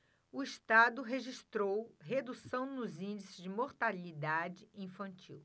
o estado registrou redução nos índices de mortalidade infantil